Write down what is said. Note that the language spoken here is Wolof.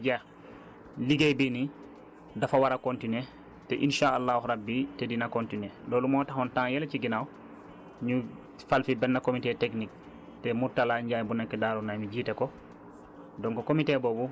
parce que même moom bu demee ba jeex liggéey bii nii dafa war a continuer te insàllaa te dina continuer loolu moo taxoon temps yële ci ginnaaw ñu fal fi benn comité technique te Mourtala Ndiaye bu nekk Darou Naymi jiite ko